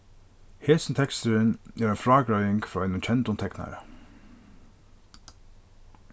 hesin teksturin er ein frágreiðing frá einum kendum teknara